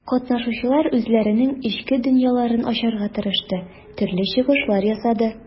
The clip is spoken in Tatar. Катнашучылар үзләренең эчке дөньяларын ачарга тырышты, төрле чыгышлар ясады.